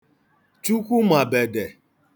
Chukwumàbèdè